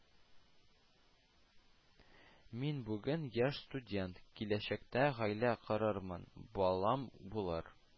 - мин бүген яшь студент, киләчәктә гаилә корырмын, балам булыр